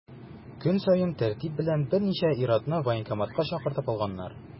Көн саен тәртип белән берничә ир-атны военкоматка чакыртып алганнар.